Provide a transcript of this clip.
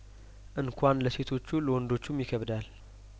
እንኳን ለሴቶቹ ለወንዶቹም ይከብዳል